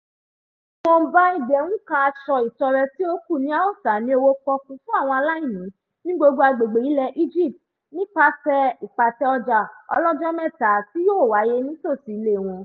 Ìwọ̀nba ẹgbẹ̀rún kan aṣọ ìtọrẹ tí ó kù ni a ó tà ní owó pọ́ọ́kú fún àwọn aláìní ní gbogbo agbègbè ilẹ̀ Egypt nípasẹ̀ ìpàtẹ ọjà ọlọ́jọ́-mẹ́ta tí yóò wáyé ní nítòsí ilé wọn.